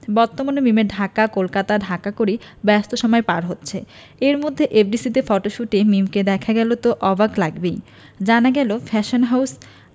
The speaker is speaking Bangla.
বর্তমানে মিমের ঢাকা কলকাতা ঢাকা করেই ব্যস্ত সময় পার হচ্ছে এরমধ্যে এফডিসিতে ফটোশুটে মিমকে দেখা গেল তো অবাক লাগবেই জানা গেল ফ্যাশন হাউজ